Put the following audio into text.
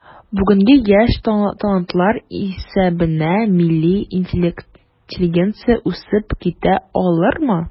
Бүгенге яшь талантлар исәбенә милли интеллигенция үсеп китә алырмы?